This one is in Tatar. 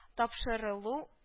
Тапшырылу